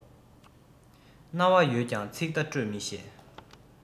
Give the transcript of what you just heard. རྣ བ ཡོད ཀྱང ཚིག བརྡ སྤྲོད མི ཤེས